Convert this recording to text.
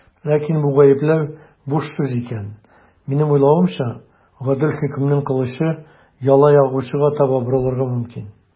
Ләкин бу гаепләү буш сүз икән, минем уйлавымча, гадел хөкемнең кылычы яла ягучыга таба борылырга мөмкин.